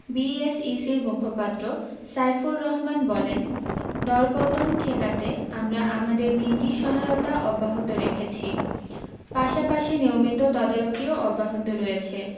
বিএসইসির মুখপাত্র সাইফুর রহমান বলেন দরপতন ঠেকাতে আমরা আমাদের নীতি সহায়তা অব্যাহত রেখেছি পাশাপাশি নিয়মিত তদারকিও অব্যাহত রয়েছে